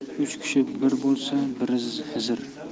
uch kishi bir bo'lsa biri xizir